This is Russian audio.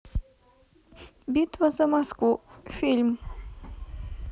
битва за москву фильм